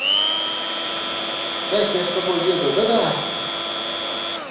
как я с тобой еду да да